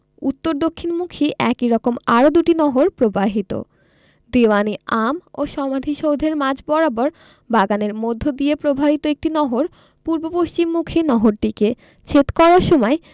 উত্তর দক্ষিণমুখী একই রকম আরও দুটি নহর প্রবাহিত দীউয়ান ই আম ও সমাধিসৌধের মাঝ বরাবর বাগানের মধ্যদিয়ে প্রবাহিত একটি নহর পূর্ব পশ্চিমমুখী নহরটিকে ছেদ করার সময়